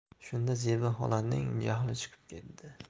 shunda zebi xolaning jahli chiqib ketdi